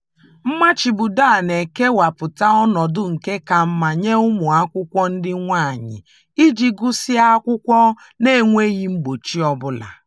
Mmachibido a na-ekeputa ọnọdụ ndị ka mma nye ụmụ akwụkwọ ndị nwaanyị iji gụsịa akwukwọ na-enweghị mgbochi ọ bula.